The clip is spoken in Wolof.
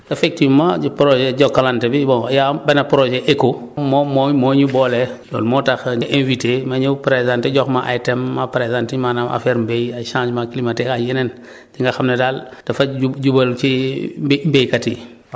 effectivement ci projet Jokalante bi bon y' a benn projet Echo moom moo ñu moo ñu boole loolu moo tax nga invité ma ñëw présenté jox ma ay thèmes ma présenté maanaam affaire mbéy ay changement climatique ak yeneen yi nga xam ne daal dafa jubal ci bé béykat yi